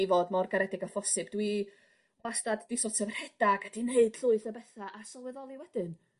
i fod mor garedig â phosib dw i wastad dwi sort of rhedag a 'di neud llwyth o betha a sylweddoli wedyn